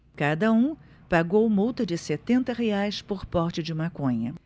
cada um pagou multa de setenta reais por porte de maconha